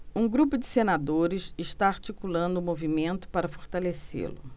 um grupo de senadores está articulando um movimento para fortalecê-lo